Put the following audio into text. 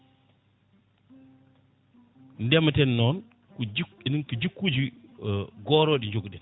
ndema ten noon ko jikku enen ko jikkuji goroɗe jogui ɗen